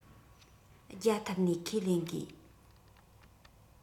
བརྒྱ ཐུབ ནས ཁས ལེན དགོས